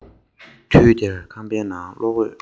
དུས དེར ཁང པའི ནང གློག འོད